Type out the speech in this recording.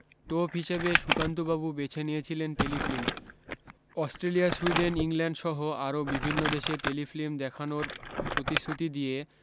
টোপ হিসেবে সুকান্তবাবু বেছে নিয়েছিলেন টেলিফিল্ম অস্ট্রেলিয়া সুইডেন ইংল্যান্ড সহ আরও বিভিন্ন দেশে টেলিফিল্ম দেখানোর প্রতিশ্রুতি দিয়ে